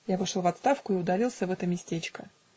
Я вышел в отставку и удалился в это местечко.